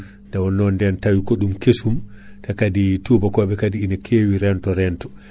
nde wonno nden tawi ko ɗum kessum kaadi toubakoɓe kaadi ne kewi rento rento